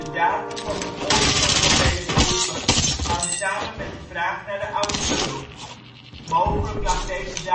datum van de oorsprong van deze boeken hangt samen met de vraag naar de auteur. Mogelijk lag deze